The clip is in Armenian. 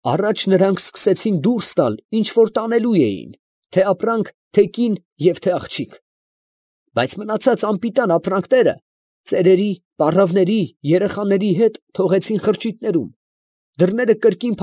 Առաջ նրանք սկսեցին դուրս տալ, ինչ որ տանելու էին, թե՛ ապրանք, թե՛ կին և թե՛ աղջիկ. բայց մնացած անպիտան ապրանքները՝ ծերերի, պառավների, երեխաների հետ՝ թողեցին խրճիթներում, դռները կրկին։